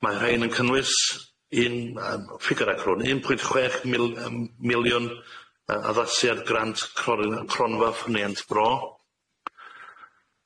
Mae rhein yn cynnwys un yym ffigyrau crwn, un pwynt chwech mil yym miliwn yy addasiad grant crori- yy cronfa ffyniant bro.